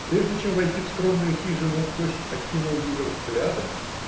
Прежде чем войти в скромную хижину, гость окинул ее взглядом.